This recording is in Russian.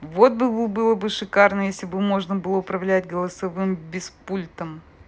вот было бы шикарно если бы можно было управлять голосовым без пультом